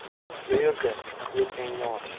buyurdi otvertkangni ol